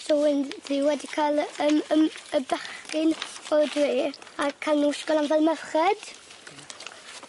So wend 'ddi wedi ca'l yym yym y bechgyn o'r dre a ca'l nw wisgo lan fel merched. Ie.